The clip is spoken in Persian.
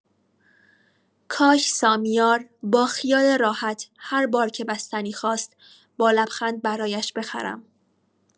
کاش سامیار با خیال راحت هر بار که بستنی خواست، با لبخند برایش بخرم.